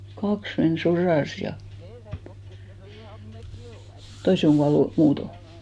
kaksi meni sodassa ja toiset on kuollut muuten